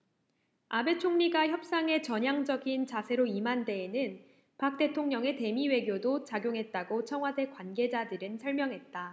아베 총리가 협상에 전향적인 자세로 임한 데에는 박 대통령의 대미 외교도 작용했다고 청와대 관계자들은 설명했다